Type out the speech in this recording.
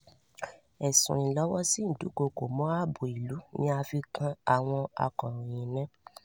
Ẹ̀sùn ìlọ́wọ́sí ìdúkokò mọ́ ààbò ìlú ni a fi kan àwọn akọ̀ròyìn náà